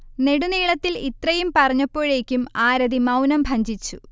നെടുനീളത്തിൽ ഇത്രയും പറഞ്ഞപ്പോഴേക്കും ആരതി മൗനം ഭഞ്ജിച്ചു